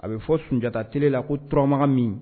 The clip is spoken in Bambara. A bɛ fɔ Sunjata tele la ko turamagan min